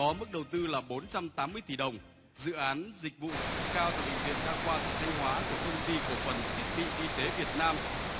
có mức đầu tư là bốn trăm tám mươi tỷ đồng dự án dịch vụ cao tại bệnh viện đa khoa tỉnh thanh hóa của công ty cổ phần thiết bị y tế việt nam